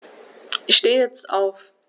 Ich stehe jetzt auf.